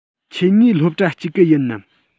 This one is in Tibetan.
ཁྱེད གཉིས སློབ གྲྭ གཅིག གི ཡིན ནམ